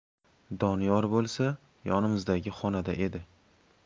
doniyor bo'lsa yonimizdagi xonada edi